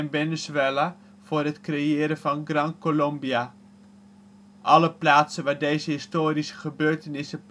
Venezuela voor het creëren van Gran Colombia. Alle plaatsen waar deze historische gebeurtenissen